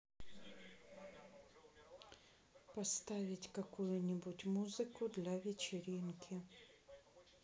поставить какую нибудь музыку для вечеринки